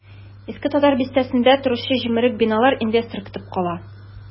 Иске татар бистәсендә торучы җимерек биналар инвестор көтеп кала.